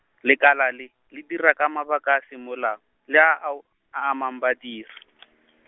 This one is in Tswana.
lekala le, le dira ka mabaka a semolao, le ao, a amang badiri.